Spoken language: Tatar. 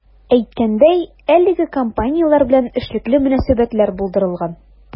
Әйткәндәй, әлеге компанияләр белән эшлекле мөнәсәбәтләр булдырылган.